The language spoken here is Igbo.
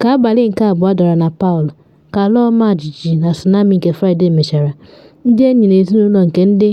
Ka abalị nke abụọ dara na Palu ka ala ọmajiji na tsunami nke Fraịde mechara, ndị enyi na ezinụlọ nke ndị